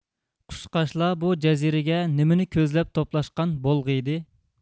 قۇشقاچلار بۇ جەزىرىگە نېمىنى كۆزلەپ توپلاشقان بولغىيدى